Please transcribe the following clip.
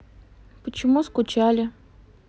почему скучали